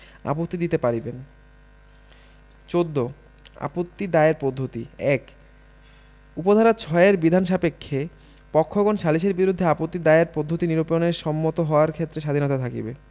আপত্তি দিতে পারিবেন ১৪ আপত্তি দায়ের পদ্ধতিঃ ১ উপ ধারা ৬ এর বিধান সাপেক্ষে পক্ষগণ সালিসের বিরুদ্ধে আপত্তি দায়েরের পদ্ধতি নিরুপণের সম্মত হওয়ার ক্ষেত্রে স্বাধীনতা থাকিবে